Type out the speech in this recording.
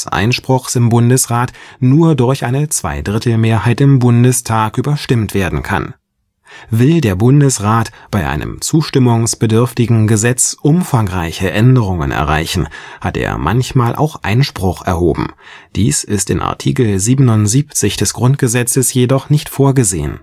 Einspruchs im Bundesrat nur durch eine Zweidrittelmehrheit im Bundestag überstimmt werden kann. Will der Bundesrat bei einem zustimmungsbedürftigen Gesetz umfangreiche Änderungen erreichen, hat er manchmal auch Einspruch erhoben; dies ist in Art. 77 des Grundgesetzes jedoch nicht vorgesehen